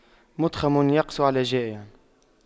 مُتْخَمٌ يقسو على جائع